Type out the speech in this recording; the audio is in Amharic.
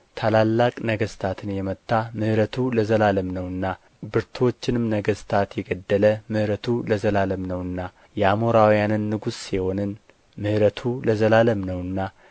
ታላላቅ ነገሥታትን የመታ ምሕረቱ ለዘላለም ነውና ብርቱዎችንም ነገሥታት የገደለ ምሕረቱ ለዘላለም ነውና የአሞራውያንን ንጉሥ ሴዎንን ምሕረቱ ለዘላለም ነውና